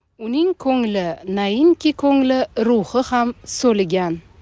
uning ko'ngli nainki ko'ngli ruhi ham so'ligan